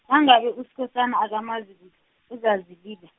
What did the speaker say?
nangabe Uskhosana akamazi kuh-, uzazi- .